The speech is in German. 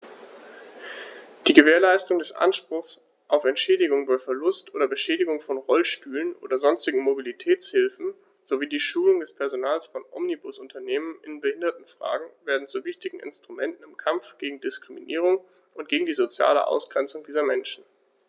Die Gewährleistung des Anspruchs auf Entschädigung bei Verlust oder Beschädigung von Rollstühlen oder sonstigen Mobilitätshilfen sowie die Schulung des Personals von Omnibusunternehmen in Behindertenfragen werden zu wichtigen Instrumenten im Kampf gegen Diskriminierung und gegen die soziale Ausgrenzung dieser Menschen.